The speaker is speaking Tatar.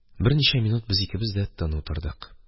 Берничә минут вакыт без икебез дә тын утырдык